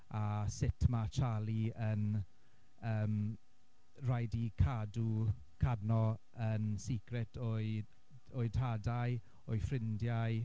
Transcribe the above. A sut mae Charlie yn yym rhaid i cadw Cadno yn secret o'i o'i tadau, o'i ffrindiau.